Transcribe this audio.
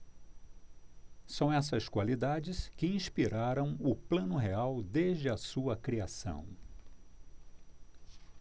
são essas qualidades que inspiraram o plano real desde a sua criação